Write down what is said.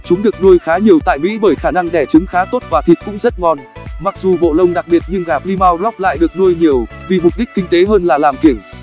chúng được nuôi khá nhiều tại mỹ bởi khả năng đẻ trứng khá tốt và thịt cũng rất ngon mặc dù bộ lông đặc biệt nhưng gà plymouth rock lại được nuôi nhiều vì mục đích kinh tế hơn là làm kiểng